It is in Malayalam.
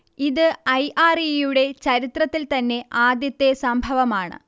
ഇത് ഐ. ആർ. ഇ. യുടെ ചരിത്രത്തിൽ തന്നെ ആദ്യത്തെ സംഭവമാണ്